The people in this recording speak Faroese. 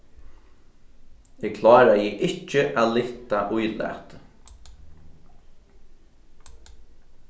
eg kláraði ikki at lyfta ílatið